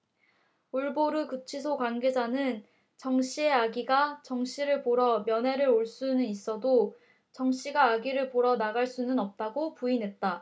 올보르 구치소 관계자는 정 씨의 아기가 정 씨를 보러 면회를 올 수는 있어도 정 씨가 아기를 보러 나갈 수는 없다고 부인했다